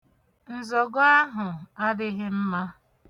Nzọgo ahụ adịghị mma.